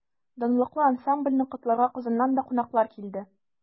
Данлыклы ансамбльне котларга Казаннан да кунаклар килде.